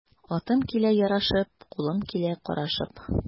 Атым килә ярашып, кулым килә карышып.